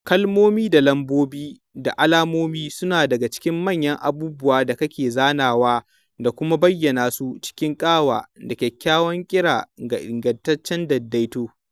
Kalmomi da lambobi da alamomi suna daga cikin manyan abubuwan da kake zanawa da kuma bayyana su cikin ƙawa da kyakkyawan ƙira da ingantaccen daidaito.